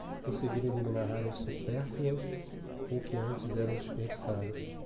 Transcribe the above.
conseguiram eliminar áreas supérfluas ou que antes eram desperdiçadas